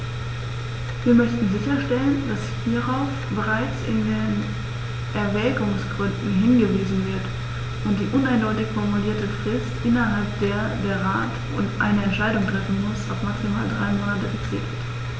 Wir möchten sicherstellen, dass hierauf bereits in den Erwägungsgründen hingewiesen wird und die uneindeutig formulierte Frist, innerhalb der der Rat eine Entscheidung treffen muss, auf maximal drei Monate fixiert wird.